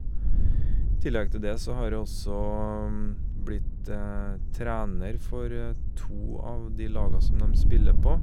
I tillegg til det så har jeg også blitt trener for to av de laga som dem spiller på.